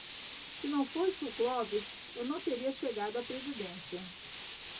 se não fosse o clóvis eu não teria chegado à presidência